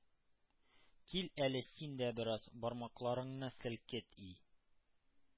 Кил әле, син дә бераз бармакларыңны селкет, и